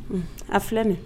A filɛ dɛ